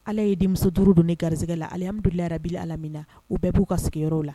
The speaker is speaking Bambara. Ala ye denmuso duuru don ni garijɛgɛ la alimdurabi ala min na u bɛɛ b'u ka sigiyɔrɔw la